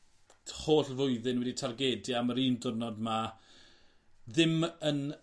t- holl flwyddyn wedi targedu am yr un diwrnod 'ma ddim yn